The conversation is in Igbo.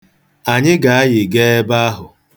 Anyị ga-ayị gaa ebe ahụ.